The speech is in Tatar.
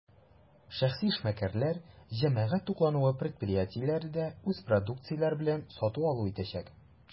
Шәхси эшмәкәрләр, җәмәгать туклануы предприятиеләре дә үз продукцияләре белән сату-алу итәчәк.